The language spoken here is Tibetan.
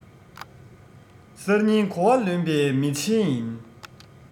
གསར རྙིང གོ བ ལོན པའི མི ཆེན ཡིན